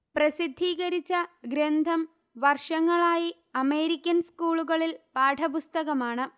പ്രസിദ്ധീകരിച്ച ഗ്രന്ഥം വർഷങ്ങളായി അമേരിക്കൻ സ്കൂളുകളിൽ പാഠപുസ്തകമാണ്